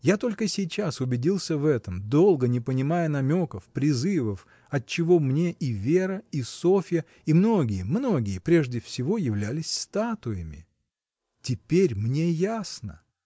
Я только сейчас убедился в этом, долго не понимая намеков, призывов: отчего мне и Вера, и Софья, и многие, многие — прежде всего являлись статуями! Теперь мне ясно!